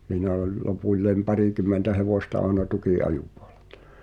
siinä oli lopulle parikymmentä hevosta aina tukinajopuolella